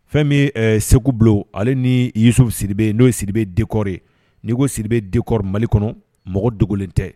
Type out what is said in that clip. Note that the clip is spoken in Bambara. Fɛn bɛ segu bila ale niyisuw siribi n'o siri bɛ dekɔri n'i ko siri bɛ dekkɔrɔ mali kɔnɔ mɔgɔ dogolen tɛ